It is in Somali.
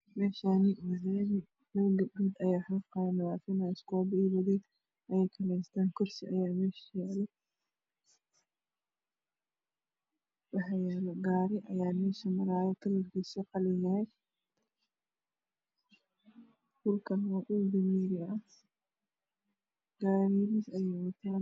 Mesha n waa Laami dhor gabdhod ayaa xaqaya iskoba ayaykahestan will kursi ayaamesha yalo gari ayaa meshamaraya kalarkisuyahay qalin dhulkana dhuldameeri ah gari yariis ah ayuwata